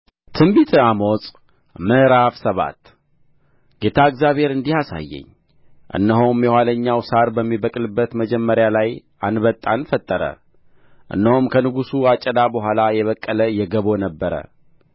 ትንቢተ አሞጽ ምዕራፍ ሰባት ጌታ እግዚአብሔር እንዲህ አሳየኝ እነሆም የኋለኛው ሣር በሚበቅልበት መጀመሪያ ላይ አንበጣን ፈጠረ እነሆም ከንጉሡ አጨዳ በኋላ የበቀለ የገቦ ነበረ